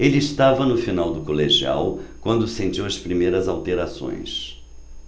ele estava no final do colegial quando sentiu as primeiras alterações